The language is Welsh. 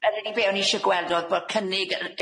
yr unig beth o'n i sho gweld o'dd bo' cynnig yy